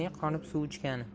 yerning qonib suv ichgani